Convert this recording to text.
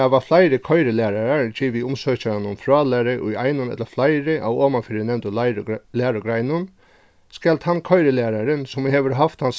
hava fleiri koyrilærarar givið umsøkjaranum frálæru í einum ella fleiri av omanfyri nevndu lærugreinum skal tann koyrilærarin sum hevur havt tann